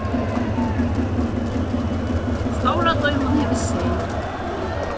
stóra dímun hevur seyð